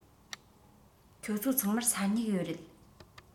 ཁྱོད ཚོ ཚང མར ས སྨྱུག ཡོད རེད